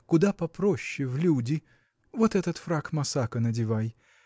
Куда попроще в люди, вот этот фрак масака надевай.